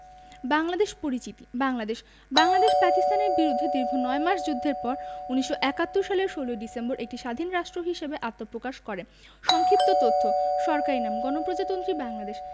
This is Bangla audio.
বাংলাদেশ পরিচিতি বাংলাদেশ বাংলাদেশ পাকিস্তানের বিরুদ্ধে দীর্ঘ নয় মাস যুদ্ধের পর ১৯৭১ সালের ১৬ ডিসেম্বর একটি স্বাধীন রাষ্ট্র হিসেবে আত্মপ্রকাশ করে সংক্ষিপ্ত তথ্য সরকারি নামঃ গণপ্রজাতন্ত্রী বাংলাদেশ